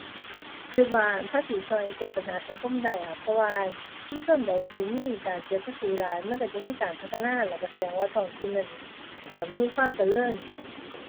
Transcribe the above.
คิดว่าภาษีคิดแก้ปัญหาสังคมได้ค่ะ เพราะว่าชุมชนใดที่มีการเสียภาษีหลายมันคิดจะมีการพัฒนา แล้วคิดแสดงว่าท้องถิ่นนั้น อ่า มีความเจริญ